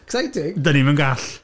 Exciting... Dan ni'm yn gall!